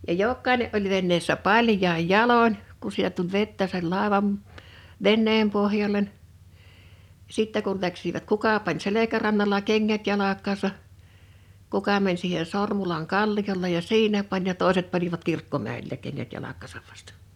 ja jokainen oli veneessä paljain jaloin kun sitä tuli vettä sen laivan veneen pohjalle sitten kun lähtivät kuka pani selkärannalla kengät jalkaansa kuka meni siihen Sormulan kalliolle ja siinä pani ja toiset panivat kirkkomäellä kengät jalkaansa vasta